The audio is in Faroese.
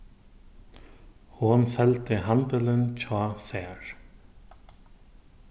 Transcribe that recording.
hon seldi handilin hjá sær